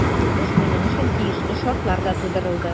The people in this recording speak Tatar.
Моннан тыш, моның өчен тиешле шартлар да тудырылды.